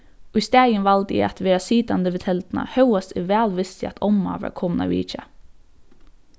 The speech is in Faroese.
í staðin valdi eg at verða sitandi við telduna hóast eg væl visti at omma var komin at vitja